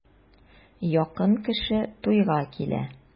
Якын кешегә туйга килә.